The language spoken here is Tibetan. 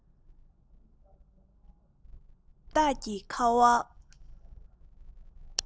སྦྱིན བདག གི ཁ པ